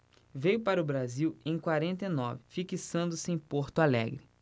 veio para o brasil em quarenta e nove fixando-se em porto alegre